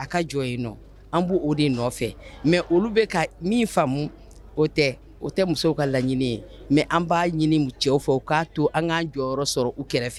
A ka jɔ yen nɔ an b' o de nɔfɛ mɛ olu bɛ ka min faamu o tɛ o tɛ musow ka laɲini ye mɛ an b'a ɲini cɛw fɔ u k'a to an ka jɔyɔrɔ sɔrɔ u kɛrɛfɛ